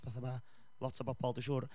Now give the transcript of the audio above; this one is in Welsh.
Fatha ma' lot o bobl dwi'n siŵr.